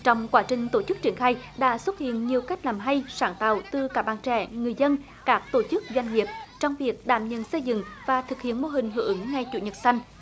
trong quá trình tổ chức triển khai đã xuất hiện nhiều cách làm hay sáng tạo từ các bạn trẻ người dân các tổ chức doanh nghiệp trong việc đảm nhận xây dựng và thực hiện mô hình hưởng ứng ngày chủ nhật xanh